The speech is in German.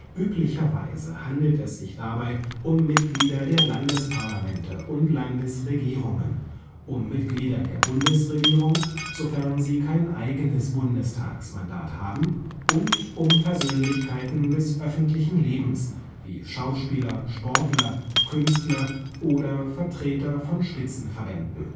Üblicherweise handelt es sich dabei um Mitglieder der Landesparlamente und Landesregierungen, um Mitglieder der Bundesregierung, sofern sie kein eigenes Bundestagsmandat haben, und um Persönlichkeiten des öffentlichen Lebens wie Schauspieler, Sportler, Künstler oder Vertreter von Spitzenverbänden